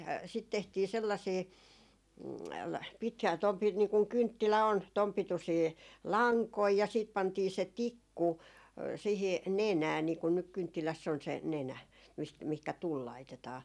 sitten tehtiin sellaisia - tuon - niin kuin kynttilä on tuon pituisia lankoja ja sitten pantiin se tikku siihen nenään niin kun nyt kynttilässä on se nenä mistä mihinkä tuli laitetaan